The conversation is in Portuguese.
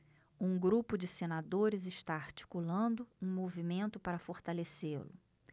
um grupo de senadores está articulando um movimento para fortalecê-lo